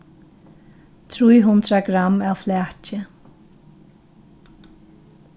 trý hundrað gramm av flaki